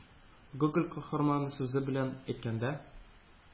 Гоголь каһарманы сүзе белән әйткәндә,